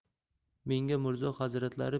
menga mirzo hazratlari